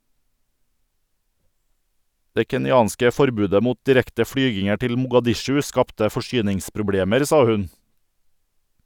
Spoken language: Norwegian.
Det kenyanske forbudet mot direkte flyginger til Mogadishu skapte forsyningsproblemer, sa hun.